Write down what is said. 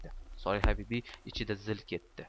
solihabibi ichida zil ketdi